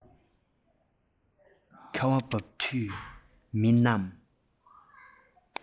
ཁ བ འབབ དུས མི རྣམས